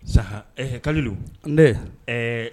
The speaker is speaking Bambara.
Saha, ɛɛ Kjolo? Ne! ɛɛ